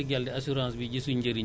douze foofu douze mois la